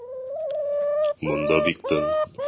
Монда бик тын.